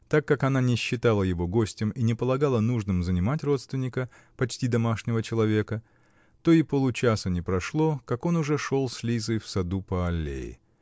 Так как она не считала его гостем и не полагала нужным занимать родственника, почти домашнего человека, то и получаса не прошло, как он уже шел с Лизой в саду по аллее.